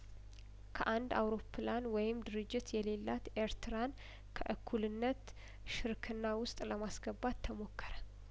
ከአንድ አውሮፕላን ወይም ድርጅት የሌላት ኤርትራን ከእኩልነት ሽርክና ውስጥ ለማስገባት ተሞከረ